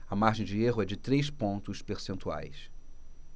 a margem de erro é de três pontos percentuais